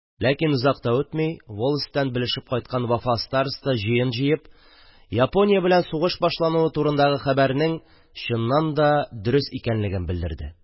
Ләкин озак та үтми, волостьтан белешеп кайткан Вафа староста, җыен җыеп, Япония белән сугыш башлануы турындагы хәбәрнең чыннан да дөрес икәнлеген белдерде.